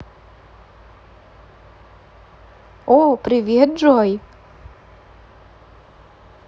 о привет джой